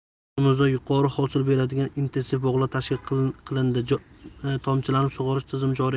yurtimizda yuqori hosil beradigan intensiv bog'lar tashkil qilindi tomchilatib sug'orish tizimi joriy etildi